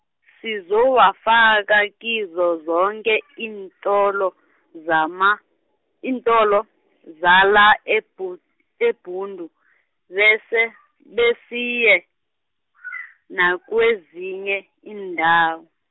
sizowafaka kizo zoke iiintolo, zama, iintolo zala eBhu- eBhundu, bese, besiye, nakwezinye iindawo.